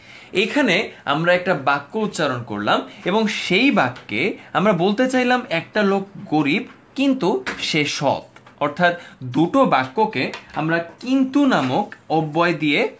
এখানে আমরা একটা বাক্য উচ্চারণ করলাম এবং সেই বাক্যে আমরা বলতে চাইলাম একটা লোক গরিব কিন্তু সে সৎ অর্থাৎ দুটো বাক্য কে আমরা কিন্তু নামক অব্যয় দিয়ে